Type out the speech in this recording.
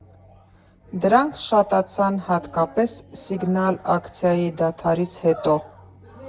Դրանք շատացան հատկապես սիգնալ֊ակցիայի դադարից հետո։